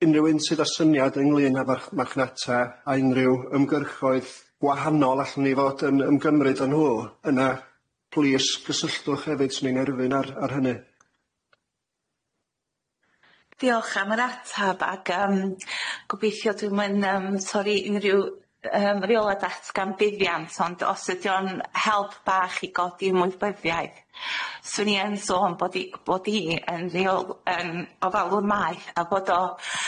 unrhyw un sydd â syniad ynglŷn â farch- marchnata a unrhyw ymgyrchoedd gwahanol allwn ni fod yn ymgymryd â nhw yna plîs cysylltwch hefyd, 'swn i'n erfyn ar ar hynny. Diolch am yr atab ag yym gobeithio dwi'm yn yym torri unryw yym reola datgan buddiant ond os ydi o'n help bach i godi ymwybyddiaeth 'swn i yn sôn bod i- bod i yn reol- yn ofalwr maeth a bod o